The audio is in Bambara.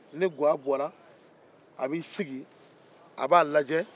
ni ga bɔra a b'i sigi a b'a lajɛ